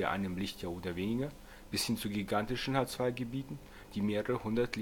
einem Lichtjahr oder weniger bis hin zu gigantischen H-II-Gebieten, die mehrere hundert